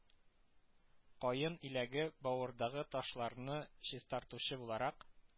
Каен иләге бавырдагы ташларны чистартучы буларак